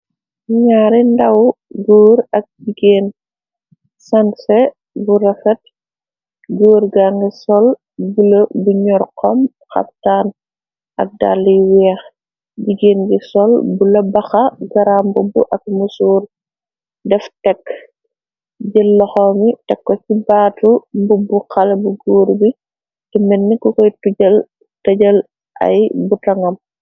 Naari ndaw goor ak jigéen sanse bu refet goor gage sol bula bu ñor xom xaftaan ak dalle yu weex jigéen be sol bula baxa garamubu ak musuur def tekk jël loxom ye teko ci baatu mbubbu xale bu góor bi de melne kukoy tujjal tejal ay betogam.